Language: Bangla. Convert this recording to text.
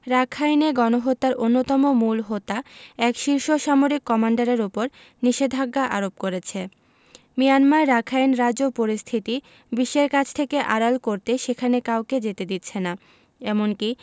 রাখাইনে গণহত্যার অন্যতম মূল হোতা এক শীর্ষ সামরিক কমান্ডারের ওপর নিষেধাজ্ঞা আরোপ করেছে মিয়ানমার রাখাইন রাজ্য পরিস্থিতি বিশ্বের কাছ থেকে আড়াল করতে সেখানে কাউকে যেতে দিচ্ছে না এমনকি